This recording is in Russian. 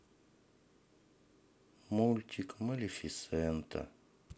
мультик малефисента